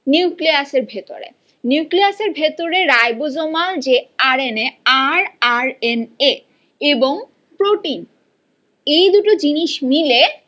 nucleus এর ভিতর nucleus এর ভেতরে রাইবোজোমাল যে আর এন এ আর আর এন এ এবং প্রোটিন এই দুটো জিনিস মিলে